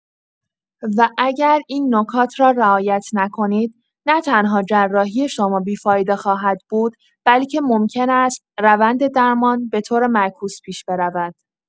و اگر این نکات را رعایت نکنید، نه‌تنها جراحی شما بی‌فایده خواهد بود، بلکه ممکن است روند درمان به‌طور معکوس پیش برود.